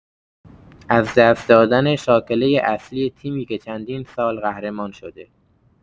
از دست دادن شاکلۀ اصلی تیمی که چندین سال قهرمان شده!